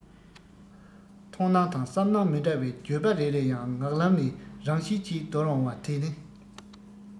མཐོང སྣང དང བསམ སྣང མི འདྲ བའི བརྗོད པ རེ རེ ཡང ངག ལམ ནས རང བཞིན གྱིས བརྡོལ འོང བ དེ ནི